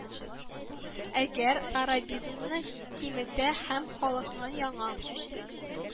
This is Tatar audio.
Әгәр арабизмны киметә һәм халыкны яңа